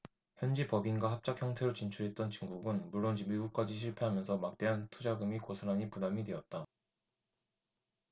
현지법인과 합작형태로 진출했던 중국은 물론 미국까지 실패하면서 막대한 투자금이 고스란히 부담이 됐다